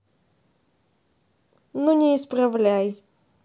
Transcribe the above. ну не исправляй